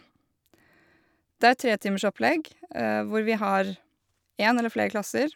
Det er et tretimersopplegg, hvor vi har én eller fler klasser.